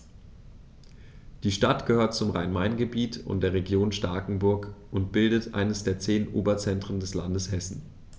Die Stadt gehört zum Rhein-Main-Gebiet und der Region Starkenburg und bildet eines der zehn Oberzentren des Landes Hessen.